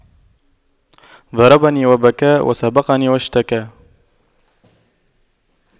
ضربني وبكى وسبقني واشتكى